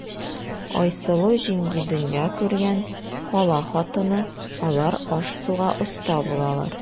Айсылу җиңги дөнья күргән, кала хатыны, алар аш-суга оста булалар.